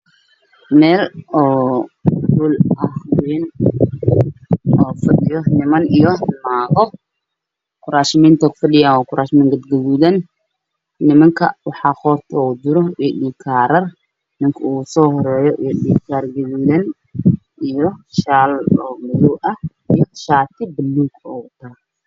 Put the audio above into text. Waa meel hool ah waxaa fadhiyo niman iyo naago kuraasman gaduudan ayay kufadhiyaan, nimanka waxaa qoorta ugu jiro aydikaarar, ninka ugu soo horeeyo waxuu wataa aydikaar gaduudan, shaal madow ah iyo shaati buluug ah.